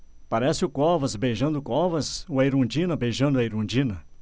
parece o covas beijando o covas ou a erundina beijando a erundina